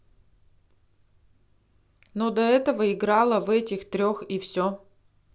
ну до этого играла в этих трех и все